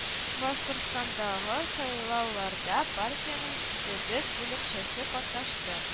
Башкортстандагы сайлауларда партиянең төбәк бүлекчәсе катнашты